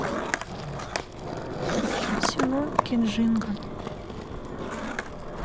село кижинга